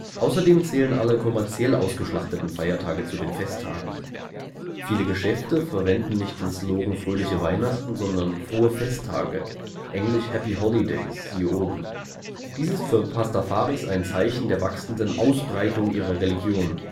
Außerdem zählen alle kommerziell ausgeschlachteten Feiertage zu den Festtagen. Viele Geschäfte verwenden nicht den Slogan „ Fröhliche Weihnachten “, sondern „ Frohe Festtage “(engl.: „ Happy Holidays “, siehe oben). Dies ist für Pastafaris ein Zeichen der wachsenden Ausbreitung ihrer Religion